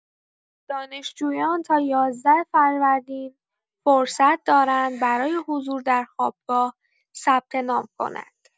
دانشجویان تا ۱۱ فروردین فرصت دارند برای حضور در خوابگاه ثبت‌نام کنند.